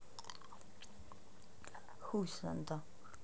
хуй санта